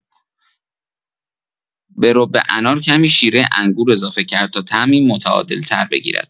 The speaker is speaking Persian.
به رب انار کمی شیره انگور اضافه کرد تا طعمی متعادل‌تر بگیرد.